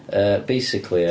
Yy basically ia...